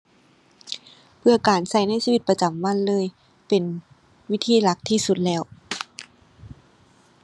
เพื่อการใช้ในชีวิตประจำวันเลย เป็นวิธีหลักที่สุดแล้ว